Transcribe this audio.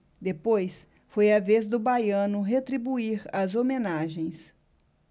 depois foi a vez do baiano retribuir as homenagens